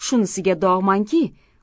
shunisiga dog'manki